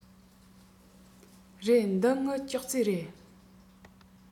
རེད འདི ངའི ཅོག ཙེ རེད